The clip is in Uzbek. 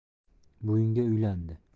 buvingga uylandi